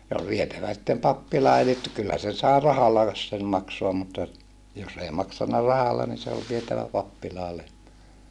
se oli vietävä sitten pappilaan eli - kyllä sen sai rahallakin sen maksaa mutta jos ei maksanut rahalla niin se oli vietävä pappilaan lehmä